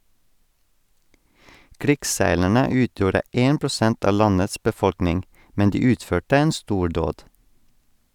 Krigsseilerne utgjorde 1 % av landets befolkning, men de utførte en stordåd.